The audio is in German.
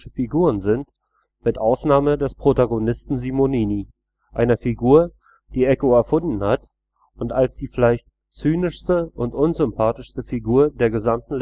Figuren sind mit Ausnahme des Protagonisten Simonini, einer Figur, die Eco erfunden hat und als die „ vielleicht zynischste und unsympathischste Figur der gesamten